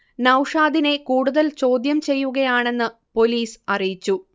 നൗഷാദിനെ കൂടുതൽ ചോദ്യം ചെയ്യുകയാണെന്ന് പൊലീസ് അറിയിച്ചു